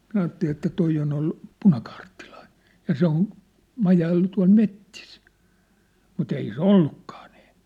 minä ajattelin että tuo on ollut punakaartilainen ja se on majaillut tuolla metsissä mutta ei se ollutkaan niin